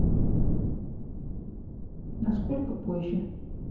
на сколько позже